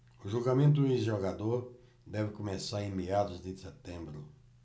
o julgamento do ex-jogador deve começar em meados de setembro